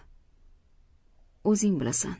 o'zing bilasan